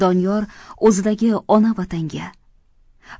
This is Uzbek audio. doniyor o'zidagi ona vatanga